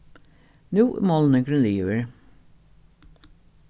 nú er málningurin liðugur